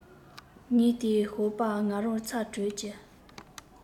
ཉིན དེའི ཞོགས པར ང རང ཚ དྲོད ཀྱིས